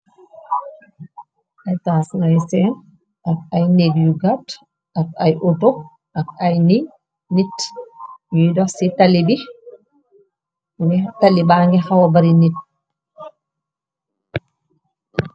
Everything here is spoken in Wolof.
Ay taas nay seen ak ay néeg yu gatt ak ay auto ak ay nit yuy dox ci taliba ngi xawa bari nit.